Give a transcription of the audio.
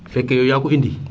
bu fekkee yow yaa ko indi